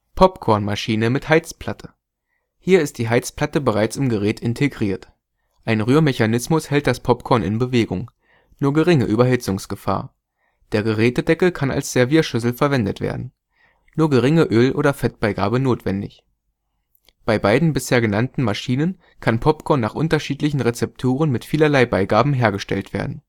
Popcornmaschine mit Heizplatte. Hier ist die Heizplatte bereits im Gerät integriert. Ein Rührmechanismus hält das Popcorn in Bewegung. Nur geringe Überhitzungsgefahr. Der Gerätedeckel kann als Servierschüssel verwendet werden. Nur geringe Öl -/ Fettbeigabe notwendig. Bei beiden bisher genannten Maschinen kann Popcorn nach unterschiedlichen Rezepturen und mit vielerlei Beigaben hergestellt werden